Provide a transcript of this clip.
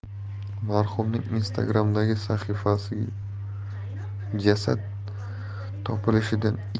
marhumning instagram'dagi sahifasiga jasad topilishidan ikki